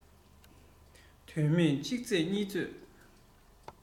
དོན མེད གཅིག རྩོད གཉིས རྩོད